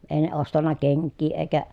ei ne ostanut kenkiä eikä